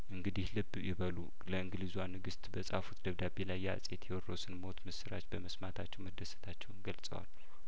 እንግዲህ ልብ ይበሉ ለእንግሊዟ ንግስት በጻፉት ደብዳቤ ላይ የአጼ ቴዎድሮስን ሞት ምስራች በመስማታቸው መደሰታቸውን ገልጸዋል